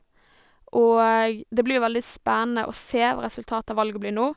Og det blir jo veldig spennende å se hva resultatet av valget blir nå.